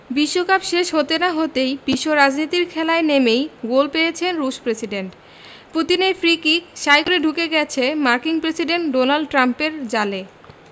বিশ্বকাপ শেষে হতে না হতেই বিশ্ব রাজনীতির খেলায় নেমেই গোল পেয়েছেন রুশ প্রেসিডেন্ট পুতিনের ফ্রি কিক শাঁই করে ঢুকে গেছে মার্কিন প্রেসিডেন্ট ডোনাল্ড ট্রাম্পের জালে